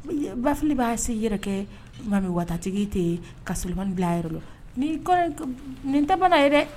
,Bafili b'a sin k'a yɛrɛ kɛ mamy water tigi yen ten, ka solomani bila yɛrɛ la, nin ko in, nin tɛ bana ye dɛ!